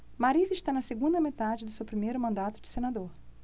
mariz está na segunda metade do seu primeiro mandato de senador